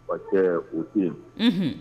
Parce tɛ u tɛ